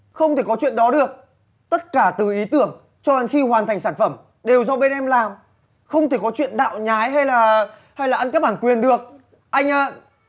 không thể có chuyện đó được tất cả từ ý tưởng cho đến khi hoàn thành sản phẩm đều do bên em làm không thể có chuyện đạo nhái hay là hay là ăn cắp bản quyền được anh ơ